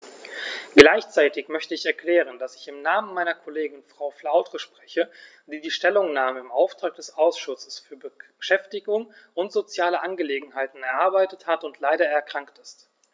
Gleichzeitig möchte ich erklären, dass ich im Namen meiner Kollegin Frau Flautre spreche, die die Stellungnahme im Auftrag des Ausschusses für Beschäftigung und soziale Angelegenheiten erarbeitet hat und leider erkrankt ist.